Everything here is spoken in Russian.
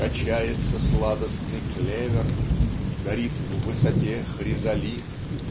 Качается сладостный клевер. Горит в высоте хризолит.